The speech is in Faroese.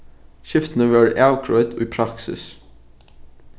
skiftini vórðu avgreidd í praksis